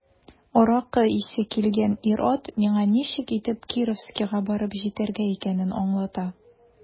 Аракы исе килгән ир-ат миңа ничек итеп Кировскига барып җитәргә икәнен аңлата.